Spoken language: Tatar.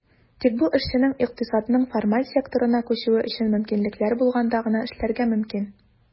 Тик бу эшченең икътисадның формаль секторына күчүе өчен мөмкинлекләр булганда гына эшләргә мөмкин.